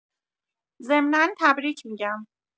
ضمنا تبریک می‌گم